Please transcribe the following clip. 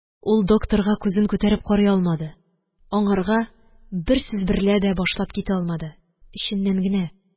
Ул докторга күзен күтәреп карый алмады. Аңарга бер сүз берлә дә башлап китә алмады. Эченнән генә